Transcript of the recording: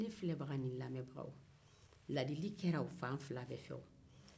ne filɛbagaw ni n lamɛnbaga ladili kɛra fan fila bɛɛ fɛ